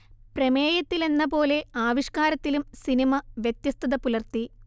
പ്രമേയത്തിലെന്ന പോലെ ആവിഷ്കാരത്തിലും സിനിമ വ്യത്യസ്തത പുലർത്തി